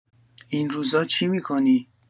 این روزا چی می‌کنی؟